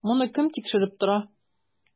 Моны кем тикшереп тора?